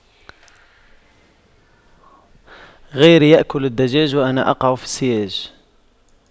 غيري يأكل الدجاج وأنا أقع في السياج